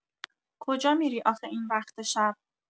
کجا می‌ری آخه این وقت شب؟